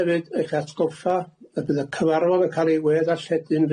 hefyd eich atgoffa y bydd y cyfarfod yn cael ei we-ddarlledu'n